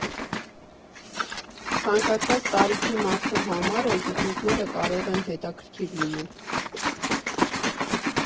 Ցանկացած տարիքի մարդու համար էլ տիկնիկները կարող են հետաքրքիր լինել։